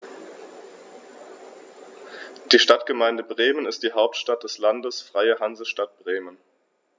Die Stadtgemeinde Bremen ist die Hauptstadt des Landes Freie Hansestadt Bremen.